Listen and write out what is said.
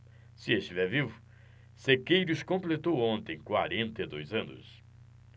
se estiver vivo sequeiros completou ontem quarenta e dois anos